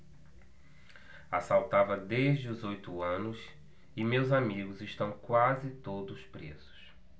assaltava desde os oito anos e meus amigos estão quase todos presos